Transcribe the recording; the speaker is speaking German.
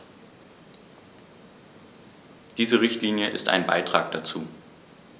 Diese Richtlinie ist ein Beitrag dazu.